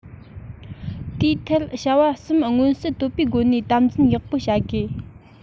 དེའི ཐད བྱ བ གསུམ མངོན གསལ དོད པོའི སྒོ ནས དམ འཛིན ཡག པོ བྱ དགོས